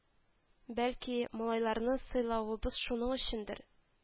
Бәлки, малайларны сыйлавыбыз шуның өчендер